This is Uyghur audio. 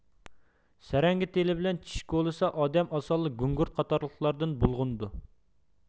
سەرەڭگە تېلى بىلەن چېش كولىسا ئادەم ئاسانلا گۈڭگۈرت قاتارلىقلاردىن بۇلغىنىدۇ